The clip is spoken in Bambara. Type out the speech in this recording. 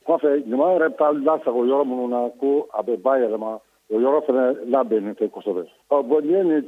Kɔfɛ ɲaman yɛrɛ bi taa lasago yɔrɔ munun na ko a bɛ ba yɛlɛma. O yɔrɔ fɛnɛ labɛnnen tɛ kɔsɛbɛ . Ɔn bon ni ye nin